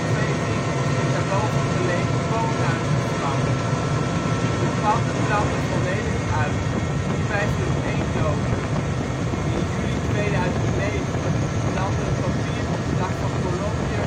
twee winkels met daarboven gelegen woonhuizen vlam. De panden brandden volledig uit. Hierbij viel één dode. In juli 2009 brandde een papieropslag van Colombier